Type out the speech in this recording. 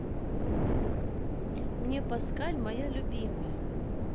мне паскаль моя любимая